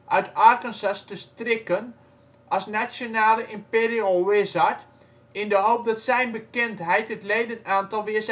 uit Arkansas te strikken als nationale Imperial Wizard in de hoop dat zijn bekendheid het ledenaantal weer